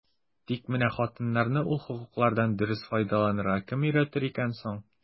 Тик менә хатыннарны ул хокуклардан дөрес файдаланырга кем өйрәтер икән соң?